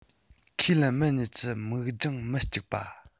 ཁས ལེན མི གཉིས ཀྱི མིག རྒྱང མི གཅིག པ